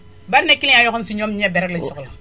bari na client yoo xam si ñoom ñebe rekk la ñu soxla